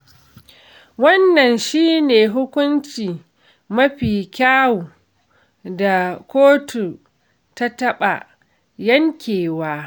Wannan shi ne hukunci mafi kyawu da kotun ta taɓa yankewa.